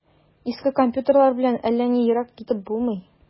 Иске компьютерлар белән әллә ни ерак китеп булмый.